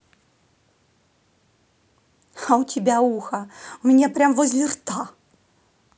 а у тебя ухо у меня прям возле рта